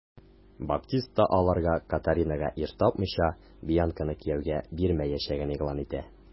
Баптиста аларга, Катаринага ир тапмыйча, Бьянканы кияүгә бирмәячәген игълан итә.